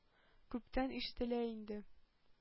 Күптән ишетелә инде.